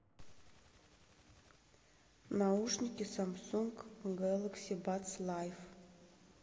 наушники самсунг гэлакси батс лайф